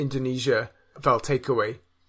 Indonesia, fel take away.